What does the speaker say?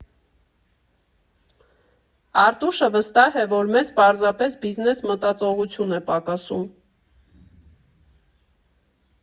Արտուշը վստահ է, որ մեզ պարզապես բիզնես մտածողություն է պակասում։